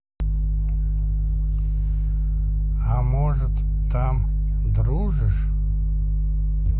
а может там дружишь